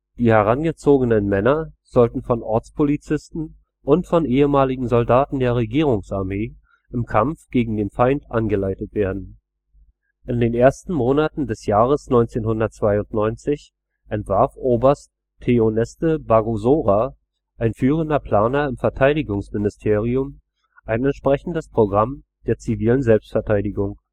Die herangezogenen Männer sollten von Ortspolizisten und von ehemaligen Soldaten der Regierungsarmee im Kampf gegen den „ Feind “angeleitet werden. In den ersten Monaten des Jahres 1992 entwarf Oberst Théoneste Bagosora, ein führender Planer im Verteidigungsministerium, ein entsprechendes Programm der „ zivilen Selbstverteidigung